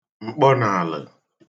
m̀kpọnàạlə̣